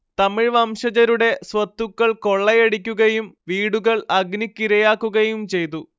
തമിഴ് വംശജരുടെ സ്വത്തുക്കൾ കൊള്ളയടിക്കുകയും വീടുകൾ അഗ്നിക്കിരയാക്കുകയും ചെയ്തു